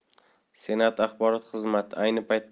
senat axborot xizmati ayni paytda